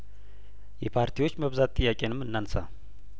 የፓርቲዎች መብዛት ጥያቄንም እናንሳ